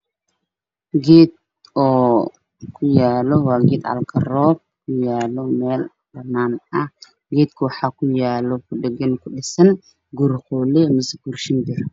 Geed cali garowe waxaa ku yaalla ah ama guri shan bileed ah